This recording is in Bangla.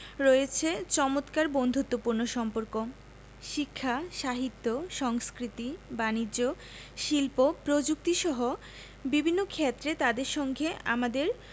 রয়েছে চমৎকার বন্ধুত্বপূর্ণ সম্পর্ক শিক্ষা সাহিত্য সংস্কৃতি বানিজ্য শিল্প প্রযুক্তিসহ বিভিন্ন ক্ষেত্রে তাদের সঙ্গে আমাদের